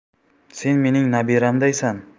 sen mening nabiramdaysan